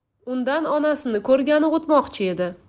undan onasini ko'rgani o'tmoqchi edi